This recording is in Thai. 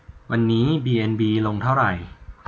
วันนี้บีเอ็นบีลงเท่าไหร่